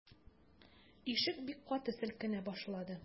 Ишек бик каты селкенә башлады.